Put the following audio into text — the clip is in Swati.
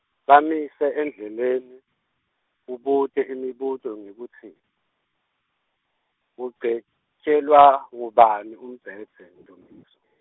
Bamise endleleni, ubute imibuto njengekutsi, Ugcetjelwa ngubani umbhedze, Ndumiso?